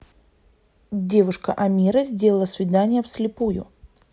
девушка амира сделала свидание в слепую